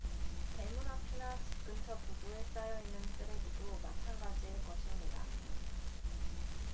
대문 앞이나 집 근처 보도에 쌓여 있는 쓰레기도 마찬가지일 것입니다